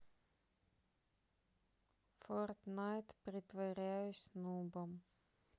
фортнайт притворяюсь нубом